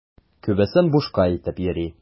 Күбесен бушка әйтеп йөри.